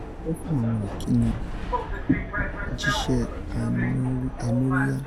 Mo dupẹ fun awọn ikini jiṣe anoriya!”